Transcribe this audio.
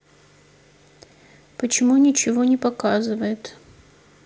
почему ничего не показывает